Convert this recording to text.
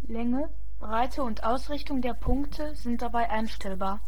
Länge, Breite und Ausrichtung der Punkte sind dabei einstellbar